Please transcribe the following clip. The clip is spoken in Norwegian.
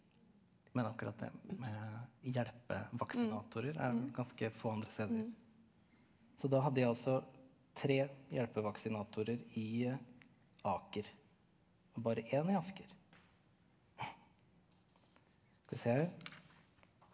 men akkurat det med hjelpevaksinatorer er ganske få andre steder så da hadde de altså tre hjelpevaksinatorer i Aker og bare én i Asker .